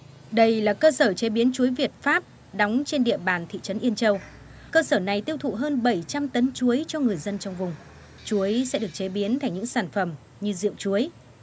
đây là cơ sở chế biến chuối việt pháp đóng trên địa bàn thị trấn yên châu cơ sở này tiêu thụ hơn bảy trăm tấn chuối cho người dân trong vùng chuối sẽ được chế biến thành những sản phẩm như rượu chuối